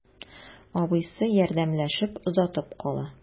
Абыйсы ярдәмләшеп озатып кала.